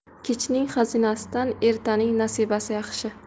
kechning xazinasidan ertaning nasibasi yaxshi